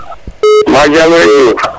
mba jam rek Diouf